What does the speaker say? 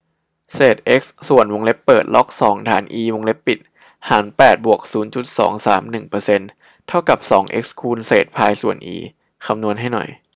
เศษเอ็กซ์ส่วนวงเล็บเปิดล็อกสองฐานอีวงเล็บปิดหารแปดบวกศูนย์จุดสองสามหนึ่งเปอร์เซ็นต์เท่ากับสองเอ็กซ์คูณเศษพายส่วนอีคำนวณให้หน่อย